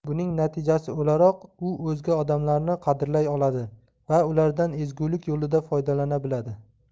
buning natijasi o'laroq u o'zga odamlarni qadrlay oladi va ulardan ezgulik yo'lida foydalana biladi